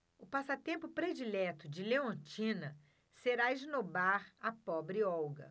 o passatempo predileto de leontina será esnobar a pobre olga